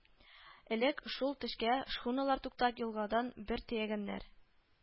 Элек шул төшкә шхуналар туктап, елгадан бер төягәннәр